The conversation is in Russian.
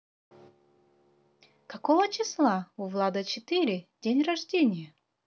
какого числа у влада четыре день рождения